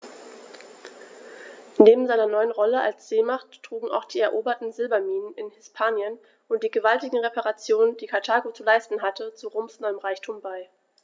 Neben seiner neuen Rolle als Seemacht trugen auch die eroberten Silberminen in Hispanien und die gewaltigen Reparationen, die Karthago zu leisten hatte, zu Roms neuem Reichtum bei.